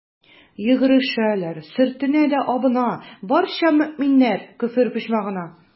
Йөгерешәләр, сөртенә дә абына, барча мөэминнәр «Көфер почмагы»на.